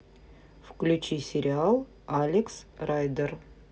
включи сериал алекс райдер